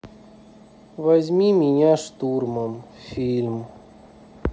возьми меня штурмом фильм